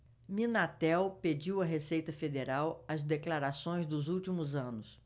minatel pediu à receita federal as declarações dos últimos anos